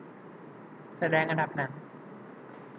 แสดงอันดับหนัง